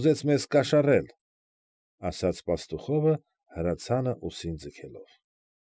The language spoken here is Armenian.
Ուզեց մեզ կաշառել,֊ ասաց Պաստուխովը, հրացանը ուսին ձգելով։